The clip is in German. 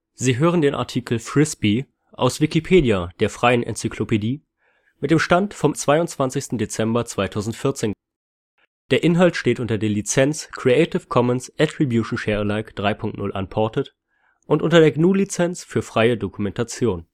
Sie hören den Artikel Frisbee, aus Wikipedia, der freien Enzyklopädie. Mit dem Stand vom Der Inhalt steht unter der Lizenz Creative Commons Attribution Share Alike 3 Punkt 0 Unported und unter der GNU Lizenz für freie Dokumentation